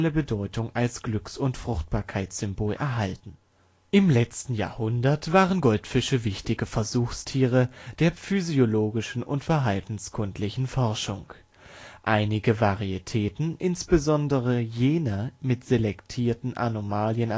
Bedeutung als Glücks - und Fruchtbarkeitssymbol erhalten. Im letzten Jahrhundert waren Goldfische wichtige Versuchstiere der physiologischen und verhaltenskundlichen Forschung. Einige Varietäten, insbesondere jene mit selektierten Anomalien